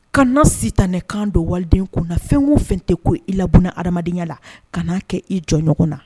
Kana si tankan don waliden ko na fɛnko fɛn tɛ ko i labna hadenyaya la ka n'a kɛ i jɔ ɲɔgɔn na